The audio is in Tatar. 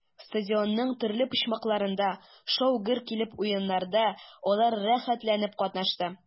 Стадионның төрле почмакларында шау-гөр килеп уеннарда алар рәхәтләнеп катнашты.